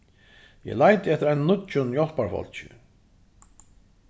eg leiti eftir einum nýggjum hjálparfólki